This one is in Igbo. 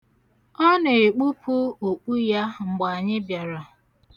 Ọ na-ekpupu okpu ya mgbe anyị bịara.